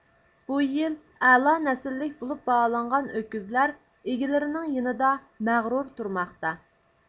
بۇ يىل ئەلا نەسىللىك بولۇپ باھالانغان ئۆكۈزلەر ئىگىلىرىنىڭ يېنىدا مەغرۇر تۇرماقتا